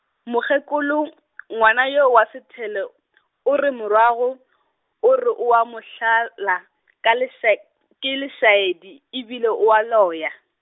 mokgekolo, ngwana yo wa Sethale , o re morwago , o re oa mo hlala , ka leša- , ke lešaedi e bile oa loya.